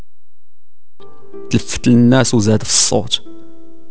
الناس وزاد الصوت